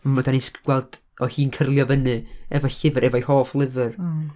Ma- dan ni sg- gweld, o hi'n cyrlio fyny, efo llyfr, efo'i hoff lyfr... O.